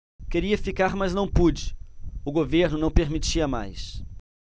queria ficar mas não pude o governo não permitia mais